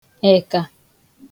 èkà